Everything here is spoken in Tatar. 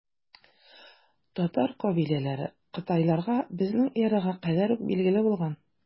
Татар кабиләләре кытайларга безнең эрага кадәр үк билгеле булган.